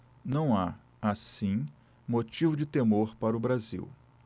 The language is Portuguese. não há assim motivo de temor para o brasil